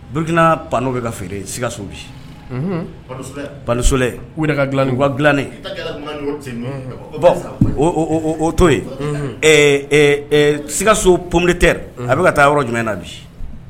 Bourkina panneau be ka feere Sikasso bi unhun panneau soleil panneau soleil u yɛrɛ ka dilanenw u ka dilanen bon o o o o to ye unhun ɛɛ ɛ ɛ Sikasso pomme de terre a be ka taa yɔrɔ jumɛn na bi